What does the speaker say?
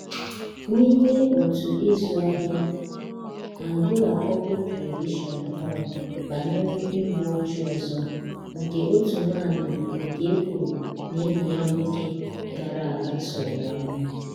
N'ime otu izu ahụ, Angola Public Television kọrọ banyere igbu ọchụ ọzọ nke ótù nwaanyị nke e kwuru na enyi ya nwoke gara aga sụrụ ya mmà.